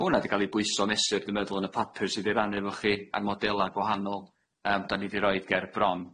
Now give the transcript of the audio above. A ma' hwnna 'di ga'l i bwyso a mesur dwi'n meddwl yn y papur sy' 'di'i rannu efo chi a'r modela gwahanol, yym dan ni 'di roid ger bron.